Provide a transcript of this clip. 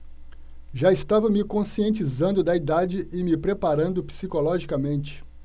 já estava me conscientizando da idade e me preparando psicologicamente